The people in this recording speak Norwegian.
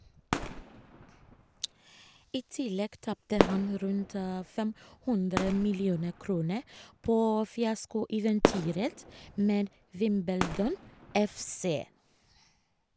I tillegg tapte han rundt 5 00 millioner kroner på fiaskoeventyret med Wimbledon FC.